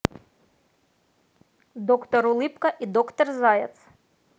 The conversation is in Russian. доктор улыбка и доктор заяц